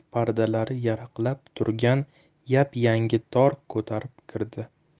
pardalari yaraqlab turgan yap yangi tor ko'tarib kirdi